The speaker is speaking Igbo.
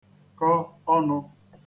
-kọ ọnụ